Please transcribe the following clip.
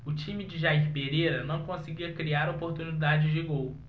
o time de jair pereira não conseguia criar oportunidades de gol